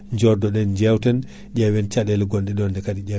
donc établissement Kane et fils yiti hen dammal